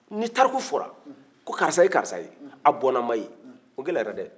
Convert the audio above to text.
n'i tariku fɔra ko karisa ye karisa ye a bɔnaw ma ye o kuma ka ca dɛ